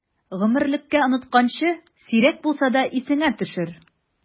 Гомерлеккә онытканчы, сирәк булса да исеңә төшер!